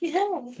Ie!